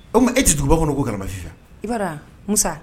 O e tɛ duguba kɔnɔ ko kanamafin